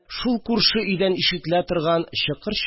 Шул күрше өйдән ишетелә торган